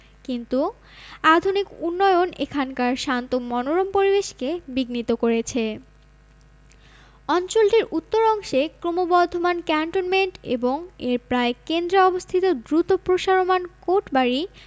কিন্তু আধুনিক উন্নয়ন এখানকার শান্ত মনোরম পরিবেশকে বিঘ্নিত করেছে অঞ্চলটির উত্তর অংশে ক্রমবর্ধমান ক্যান্টনমেন্ট এবং এর প্রায় কেন্দ্রে অবস্থিত দ্রুত প্রসারমাণ কোটবাড়ি